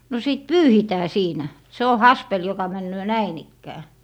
no sitten pyyhitään siinä se on haspeli joka menee näin ikään